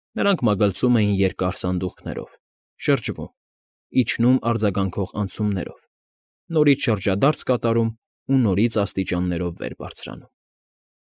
Նրանք մագլցում էին երկար սանդուղքով, նորից շրջադարձ կատարում ու նորից աստիճաններով վեր բարձրանում։